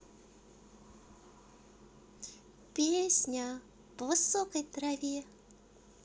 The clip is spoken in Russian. песня по высокой траве